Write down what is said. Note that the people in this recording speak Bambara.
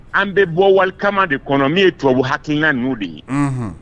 An bɛ bɔ wali kama de kɔnɔ min ye tubabu hakilina ninnu de ye, unhun